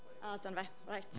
A, dyna fe right